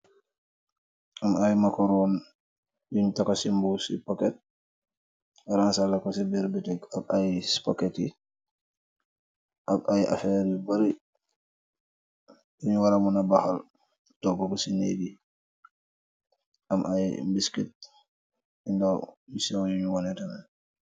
Am ay makoroon yuñ taka si mbuus ci paket ransala ko ci biir bitik ak ay spaketti ak ay afer yi bari yu wara wmuna baxal toogu ci nèk yi am ay biskit ndaw yi sèèw yuñu waneh tamit.